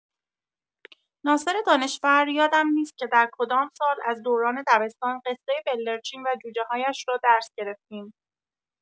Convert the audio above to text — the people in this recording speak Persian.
ناصر دانشفر یادم نیست که در کدام سال از دوران دبستان قصه بلدرچین و جوجه‌هایش را درس گرفتیم